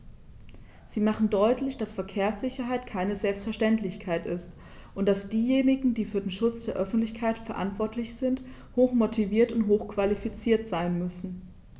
Sie machen deutlich, dass Verkehrssicherheit keine Selbstverständlichkeit ist und dass diejenigen, die für den Schutz der Öffentlichkeit verantwortlich sind, hochmotiviert und hochqualifiziert sein müssen.